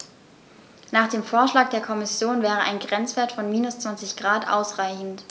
Nach dem Vorschlag der Kommission wäre ein Grenzwert von -20 ºC ausreichend.